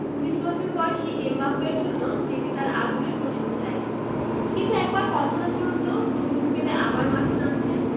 ১৯ বছর বয়সী এমবাপ্পের জন্য যেটি তাঁর আদুরে প্রশংসাই কিন্তু একবার কল্পনা করুন তো তরুণ পেলে আবার মাঠে নামছেন